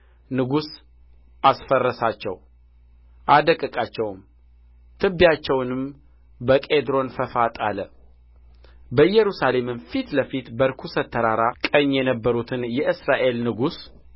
ንጉሡ አስፈረሳቸው አደቀቃቸውም ትቢያቸውንም በቄድሮን ፈፋ ጣለ በኢየሩሳሌምም ፊት ለፊት በርኵሰት ተራራ ቀኝ የነበሩትን የእስራኤል ንጉሥ